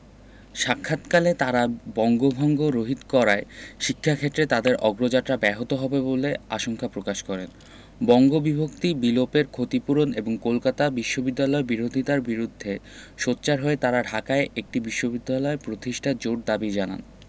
সাক্ষাৎকালে তাঁরা বঙ্গভঙ্গ রহিত করায় শিক্ষাক্ষেত্রে তাদের অগ্রযাত্রা ব্যাহত হবে বলে আশঙ্কা প্রকাশ করেন বঙ্গবিভক্তি বিলোপের ক্ষতিপূরণ এবং কলকাতা বিশ্ববিদ্যালয়ের বিরোধিতার বিরুদ্ধে সোচ্চার হয়ে তারা ঢাকায় একটি বিশ্ববিদ্যালয় প্রতিষ্ঠার জোর দাবি জানান